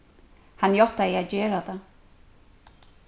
hann játtaði at gera tað